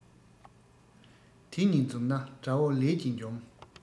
དེ གཉིས འཛོམས ན དགྲ བོ ལས ཀྱིས འཇོམས